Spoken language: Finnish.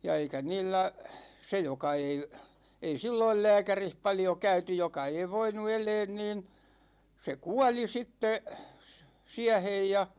ja eikä niillä se joka ei ei silloin lääkärissä paljon käyty joka ei voinut elää niin se kuoli sitten siihen ja